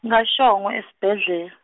kaShongwe esbejela-.